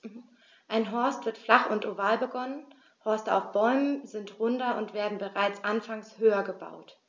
Ein Horst wird flach und oval begonnen, Horste auf Bäumen sind runder und werden bereits anfangs höher gebaut.